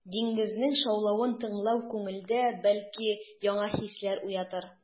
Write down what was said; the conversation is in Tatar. Диңгезнең шаулавын тыңлау күңелдә, бәлки, яңа хисләр уятыр.